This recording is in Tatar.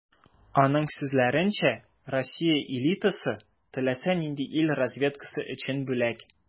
Аның сүзләренчә, Россия элитасы - теләсә нинди ил разведкасы өчен бүләк.